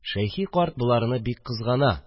Шәйхи карт боларны бик кызгана